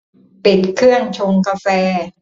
ปิดเครื่องชงกาแฟ